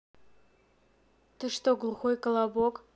ты что глухой колобок